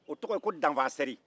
o tɔgɔ ye ko danfasɛri